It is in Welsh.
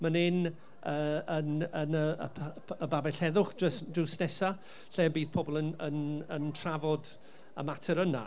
man hyn yy yn yn y y p- y babell heddwch drws nesaf, lle bydd pobl yn yn trafod y mater yna.